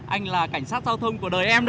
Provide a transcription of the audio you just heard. anh là cảnh sát giao thông của đời em